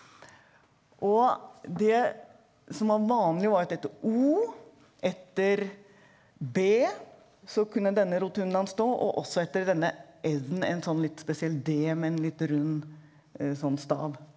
og det som var vanlig var at etter O, etter B så kunne denne rotundaen stå og også etter denne en sånn litt spesiell D med en litt rund sånn stav.